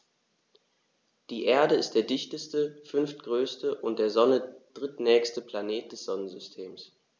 Die Erde ist der dichteste, fünftgrößte und der Sonne drittnächste Planet des Sonnensystems.